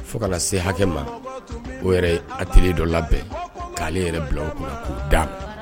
Fo ka na se hakɛ ma o yɛrɛ a t dɔ labɛn k'ale yɛrɛ bila ga